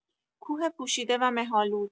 کوه پوشیده و مه‌آلود